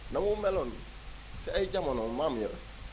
na mu meloon si ay jamono maam ya